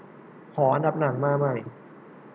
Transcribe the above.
ขออันดับหนังมาใหม่